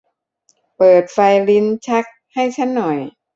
เปิดไฟลิ้นชักให้ชั้นหน่อย